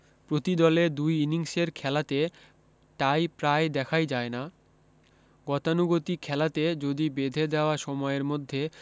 প্রতি দলে দুই ইনিংসের খেলাতে টাই প্রায় দেখাই যায় না গতানুগতিক খেলাতে যদি বেঁধে দেয়া সময়ের মধ্যে